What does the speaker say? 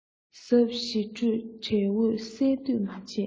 ཟབ ཞི སྤྲོས བྲལ འོད གསལ འདུས མ བྱས